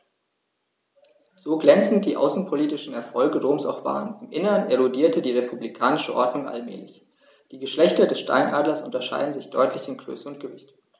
So glänzend die außenpolitischen Erfolge Roms auch waren: Im Inneren erodierte die republikanische Ordnung allmählich. Die Geschlechter des Steinadlers unterscheiden sich deutlich in Größe und Gewicht.